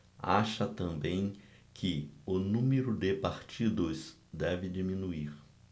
acha também que o número de partidos deve diminuir